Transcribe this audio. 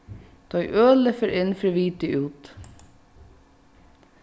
tá ið ølið fer inn fer vitið út